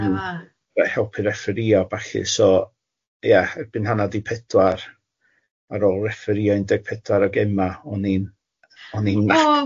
Ah. Helpu refferïo a ballu so ie erbyn hanna di pedwar, ar ôl refferïo un deg pedwar o gema, o'n i'n o'n i'n nacyd.